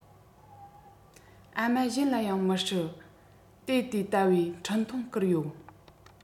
ཨ མ གཞན ལ ཡང མི སྲིད དེ འདི ལྟ བུའི འཕྲིན ཐུང བསྐུར ཡོད